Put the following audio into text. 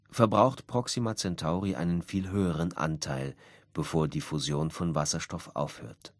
verbraucht Proxima Centauri einen viel höheren Anteil, bevor die Fusion von Wasserstoff aufhört